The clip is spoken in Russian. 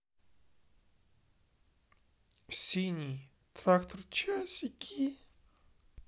синий трактор часики